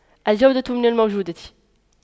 الجودة من الموجودة